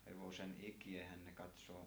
hevosen ikäähän ne katsoo